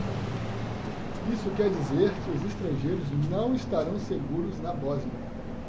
isso quer dizer que os estrangeiros não estarão seguros na bósnia